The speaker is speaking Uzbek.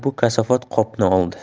bu kasofat qopni oldi